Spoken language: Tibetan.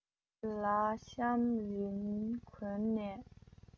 བོད ལྭ ཤམ རིང གྱོན ནས